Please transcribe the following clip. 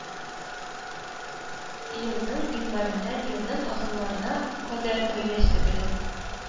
Елның гыйнварыннан елның ахырларына кадәр гаиләсе белән